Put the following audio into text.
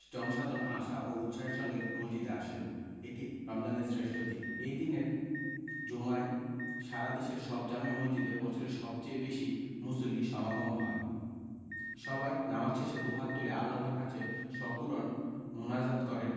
জনসাধারণ আশা ও উৎসাহের সঙ্গে মসজিদে আসেন এটি রমজানের শ্রেষ্ঠ দিন এ দিনের জুমায় সারা দেশের সব জামে মসজিদে বছরের সবচেয়ে বেশি মুসল্লির সমাগম হয় সবাই নামাজ শেষে দুহাত তুলে আল্লাহর কাছে সকরুণ মোনাজাত করে